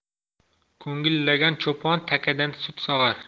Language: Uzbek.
ko'ngillagan cho'pon takadan sut sog'ar